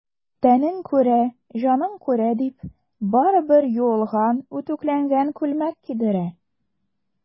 Тәнең күрә, җаның күрә,— дип, барыбер юылган, үтүкләнгән күлмәк кидерә.